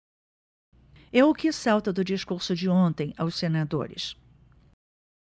é o que salta do discurso de ontem aos senadores